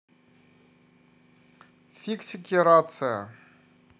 фиксики рация